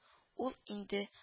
Ул инде